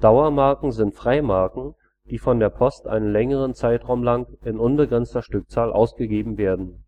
Dauermarken sind Freimarken, die von der Post einen längeren Zeitraum lang in unbegrenzter Stückzahl ausgegeben werden.